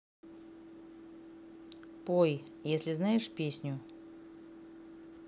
пой если знаешь песню